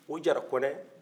o jara-kɔnɛ